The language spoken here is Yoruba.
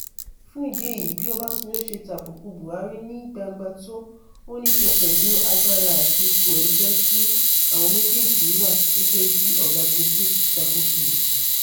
Fún ìdí èyí, bí Ọbásanjọ́ ṣe tàbùkù Buhari ní gbangba tó, ó níí ṣe pẹ̀lú agbára àti ipò ẹgbẹ́ tí àwọn méjèèjì wà gẹ́gẹ́ bí ọ̀gágun tí ó ti jagun fẹ̀yìntì.